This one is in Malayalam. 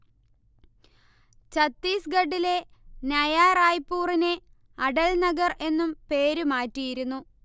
ഛത്തീസ്ഗഢിലെ നയാ റായ്പുരിനെ അടൽ നഗർ എന്നും പേരുമാറ്റിയിരുന്നു